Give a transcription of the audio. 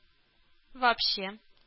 Вообще